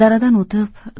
daradan o'tib